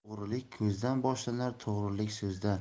o'g'rilik ko'zdan boshlanar to'g'rilik so'zdan